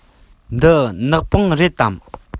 འདི ནག པང རེད དམ